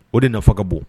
O de nafa ka bon